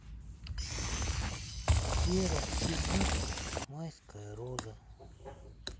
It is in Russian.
вера сердючка майская роза